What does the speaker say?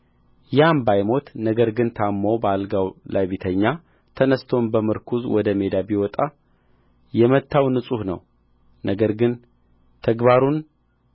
ያም ባይሞት ነገር ግን ታምሞ በአልጋው ላይ ቢተኛ ተነሥቶም በምርኩዝ ወደ ሜዳ ቢወጣ የመታው ንጹሕ ነው ነገር ግን ተግባሩን